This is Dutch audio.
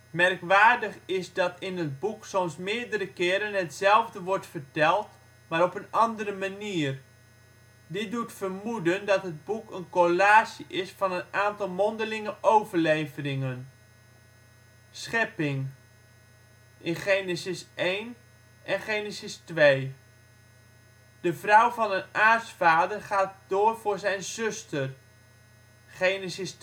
Merkwaardig is dat in het boek soms meerdere keren hetzelfde wordt verteld, maar op een andere manier. Dit doet vermoeden dat het boek een collage is van een aantal mondelinge overleveringen. Schepping: Genesis 1:1-2:3 en Genesis 2:4-25 De vrouw van een aartsvader gaat door voor zijn zuster: Genesis